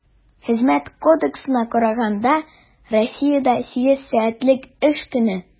Хезмәт кодексына караганда, Россиядә сигез сәгатьлек эш көне.